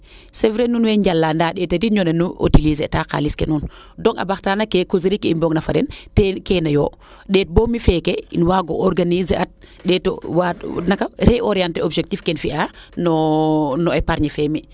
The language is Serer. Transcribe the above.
c' est vrai nuun way njala ndaa ndeta tin yo ne o utiliser taa xalis ke nuun donc o waxtaan ke den teel keene yo ndet bo fi feeke in waago organiser ndet waat naka reorienter objectif "ke im fiya no epargne fee mi